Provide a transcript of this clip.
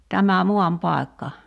tämä maanpaikka